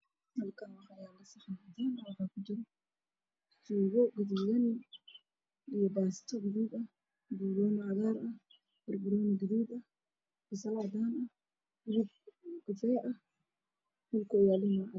Waa saxan waxaa ku jira baasto iyo hilib iyo araab khudaarsaxanaana saxan